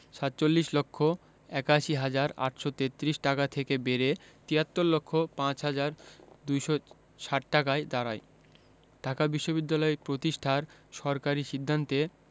৪৭ লক্ষ ৮১ হাজার ৮৩৩ টাকা থেকে বেড়ে ৭৩ লক্ষ ৫ হাজার ২৬০ টাকায় দাঁড়ায় ঢাকা বিশ্ববিদ্যালয় প্রতিষ্ঠার সরকারি সিদ্ধান্তে